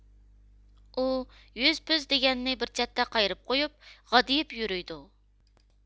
ئۇ يۈز پۈز دېگەننى بىر چەتتە قايرىپ قويۇپ غادىيىپ يۈرۈيدۇ